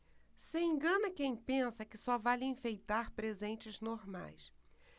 se engana quem pensa que só vale enfeitar presentes normais